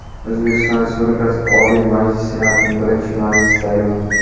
o'zbekiston respublikasi oliy majlisi senatining birinchi majlisidagi nutq